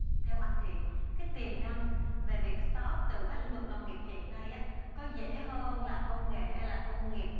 theo anh thì cái tiềm năng về việc sờ ta ắp từ các lĩnh vực nông nghiệp hiện nay có dễ hơn là công nghệ hay là công nghiệp